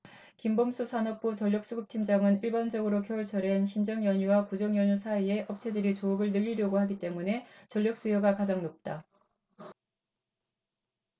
김범수 산업부 전력수급팀장은 일반적으로 겨울철엔 신정연휴와 구정연휴 사이에 업체들이 조업을 늘리려고 하기 때문에 전력수요가 가장 높다